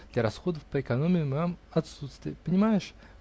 для расходов по экономии в моем отсутствии. Понимаешь?